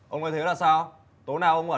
ông nói thế là sao tối nào ông